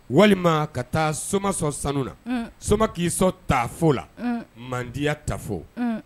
Walima ka taa soma sɔn sanu na soma k'i sɔn taafo la mandiya tafo